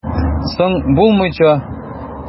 Соң, булмыйча!